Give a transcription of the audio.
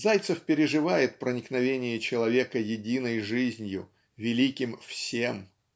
Зайцев переживает проникновение человека единой жизнью, великим Всем.